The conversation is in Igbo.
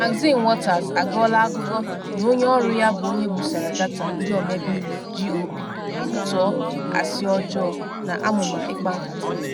Maxine Waters agọla agụgọ na onye ọrụ ya bụ onye busara data ndị ọmebe iwu GOP, kwutọọ ‘asị ọjọọ’ na ‘amụma ịkpa nkata’